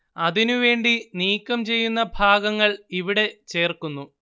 അതിനു വേണ്ടി നീക്കം ചെയ്യുന്ന ഭാഗങ്ങൾ ഇവിടെ ചേർക്കുന്നു